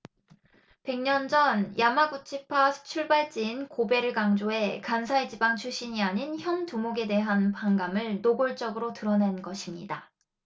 백 년 전 야마구치파 출발지인 고베를 강조해 간사이 지방 출신이 아닌 현 두목에 대한 반감을 노골적으로 드러낸 것입니다